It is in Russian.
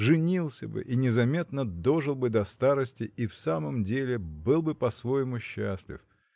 женился бы и незаметно дожил бы до старости и в самом деле был бы по-своему счастлив